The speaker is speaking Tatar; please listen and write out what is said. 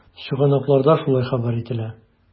Чыганакларда шулай хәбәр ителә.